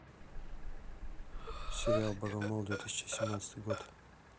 сериал богомол две тысячи семнадцатый год